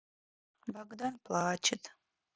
богдан плачет